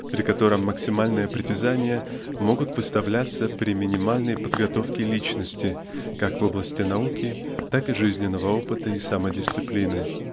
при котором максимальные притязания могут выставляться при минимальной подготовке личности как в области науки так и жизненного опыта и самодисциплины